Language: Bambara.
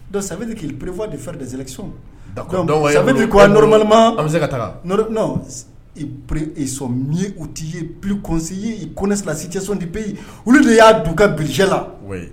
Don k'i perep de fɛrɛɛrɛ de sɔn'i nmama an bɛ se ka taa i e sɔn u tɛ ye psii koɛlasi cɛ de bɛ olu de y'a du ka bilisijɛla